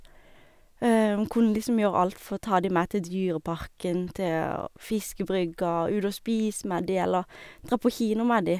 En kunne lissom gjøre alt fra å ta de med til Dyreparken, til å fiskebrygga, ut og spise med de, eller dra på kino med de.